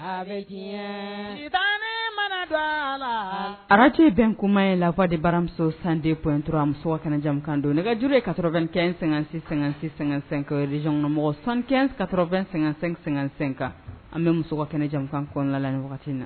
Tan mana ati bɛn kuma ye la fɔa de baramuso sanden p in tora muso kɛnɛjakan don ne kajuru ye kasɔrɔ2 kɛɛn--sɛ-sɛ-sɛka zyɔnkɔnɔmɔgɔ san kɛnɛnkasɔrɔ2 sɛgɛnsɛ-sɛsɛ kan an bɛ muso kɛnɛ jankan kɔnɔna la wagati na